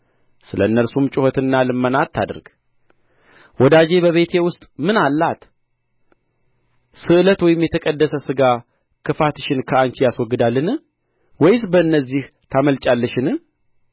ስለ እነርሱም ጩኸትና ልመና አታድርግ ወዳጄ በቤቴ ውስጥ ምን አላት ስእለት ወይም የተቀደሰ ሥጋ ክፋትሽን ከአንቺ ያስወግዳልን ወይስ በእነዚህ ታመልጫለሽን